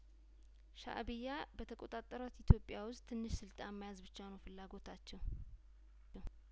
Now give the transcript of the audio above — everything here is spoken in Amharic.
ሻእቢያ በተቆጣጠራት ኢትዮጵያ ውስጥ ትንሽ ስልጣን መያዝ ብቻ ነው ፍላጐታቸው